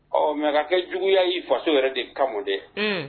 Ɔ nka ka kɛ juguya ye i faso yɛrɛ de kama dɛ